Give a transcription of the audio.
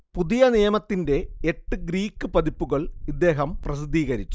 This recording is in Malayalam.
പുതിയ നിയമത്തിന്റെ എട്ട് ഗ്രീക്ക് പതിപ്പുകൾ ഇദ്ദേഹം പ്രസിദ്ധീകരിച്ചു